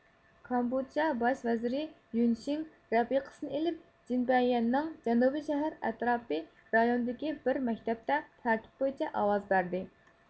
كامبودژا باش ۋەزىرى يۈن شېڭ رەپىقىسىنى ئېلىپ جىنبيەننىڭ جەنۇبىي شەھەر ئەتراپى رايونىدىكى بىر مەكتەپتە تەرتىپ بويىچە ئاۋاز بەردى